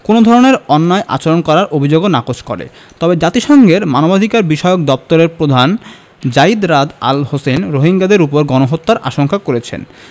কোনো ধরনের অন্যায় আচরণ করার অভিযোগও নাকচ করে তবে জাতিসংঘের মানবাধিকারবিষয়ক দপ্তরের প্রধান যায়িদ রাদ আল হোসেইন রোহিঙ্গাদের ওপর গণহত্যার আশঙ্কা করেছেন